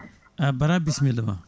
ah Baara bisimillama